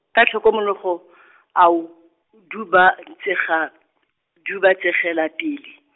ka tlhokomologo , a udubatsega, -dubatsegela pele.